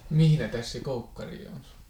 missä tässä se Koukkari on